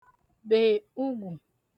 -bè ugwù